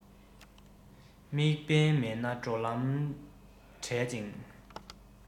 དམིགས འབེན མེད ན འགྲོ ལམ བྲལ ཅིང